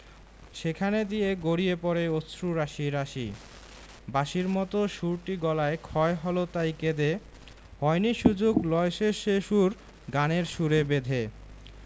সেখান দিয়ে গড়িয়ে পড়ে অশ্রু রাশি রাশি বাঁশির মতো সুরটি গলায় ক্ষয় হল তাই কেঁদে হয়নি সুযোগ লয় সে সুর গানের সুরে বেঁধে